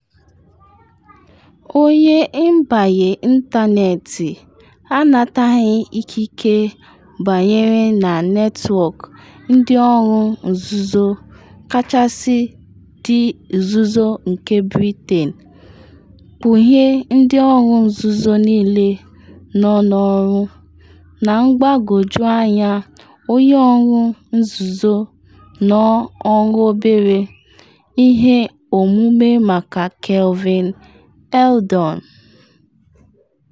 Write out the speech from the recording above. Onye nbanye ịntanetị anataghị ikike banyere na netwọk ndị ọrụ nzuzo kachasị dị nzuzo nke Britain, kpughee ndị ọrụ nzuzo niile nọ n’ọrụ, na mgbagwoju anya onye ọrụ nzuzo nọ ọrụ - obere ihe omume maka Kelvin Eldon.